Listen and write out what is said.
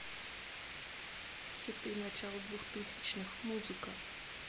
хиты начала двухтысячных музыка